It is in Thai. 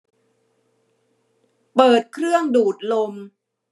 เปิดเครื่องดูดลม